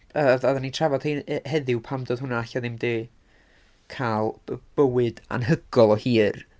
Yy oedd- oeddan ni'n trafod hyn he- heddiw pam doedd hwnna ella ddim 'di cael b- bywyd anhygoel o hir.